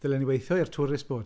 Ddylen i weithio i'r tourist board.